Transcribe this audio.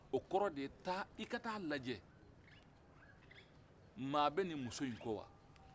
o kɔrɔ de ye taa i ka taa lajɛ maa bɛ nin muso in kɔ wa